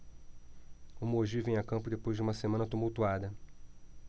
o mogi vem a campo depois de uma semana tumultuada